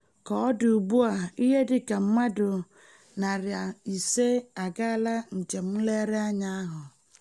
Ka ọ dị ugbu a, ihe dị ka mmadụ 500 agaala njem nlegharị anya ahụ.